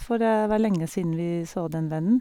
For det var lenge siden vi så den vennen.